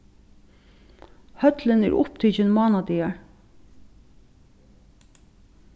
høllin er upptikin mánadagar